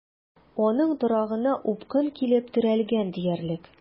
Аның торагына упкын килеп терәлгән диярлек.